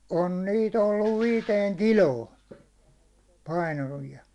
on niitä ollut viiteen kiloon painavia